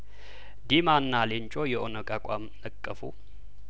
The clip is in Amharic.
ዲማ እና ሌንጮ የኦነግ አቋም ነቀፉ